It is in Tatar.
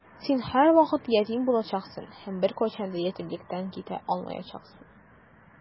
Син һәрвакыт ятим булачаксың һәм беркайчан да ятимлектән китә алмаячаксың.